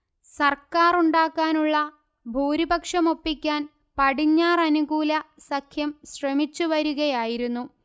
സർക്കാറുണ്ടാക്കാനുള്ള ഭൂരിപക്ഷമൊപ്പിക്കാൻ പടിഞ്ഞാറനുകൂല സഖ്യം ശ്രമിച്ചു വരുകയായിരുന്നു